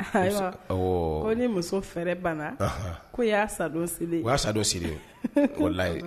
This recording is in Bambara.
Ko ni muso fɛrɛ banna ko y'a sadon seli y'a sadon siri k'o layi